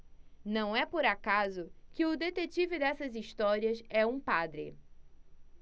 não é por acaso que o detetive dessas histórias é um padre